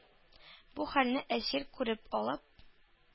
Бу хәлне Әсир күреп алып,